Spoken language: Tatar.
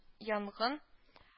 Янгын